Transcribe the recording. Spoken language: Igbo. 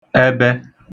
ẹbẹ